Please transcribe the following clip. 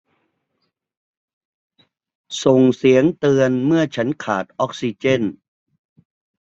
ส่งเสียงเตือนเมื่อฉันขาดออกซิเจน